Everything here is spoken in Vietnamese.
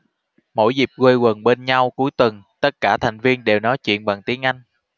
mỗi dịp quây quần bên nhau cuối tuần tất cả thành viên đều nói chuyện bằng tiếng anh